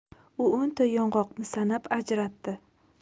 u o'nta yong'oqni sanab ajratdi